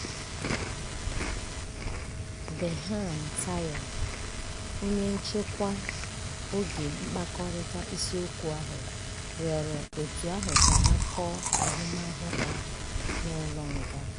Berhan Taye, onye nchịkwa oge mkpakọrịta isiokwu ahụ, rịọrọ òtù ahụ ka ha kọọ ahụmahụ ha n'ụlọ nga.